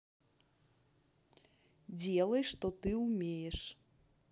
делай что ты умеешь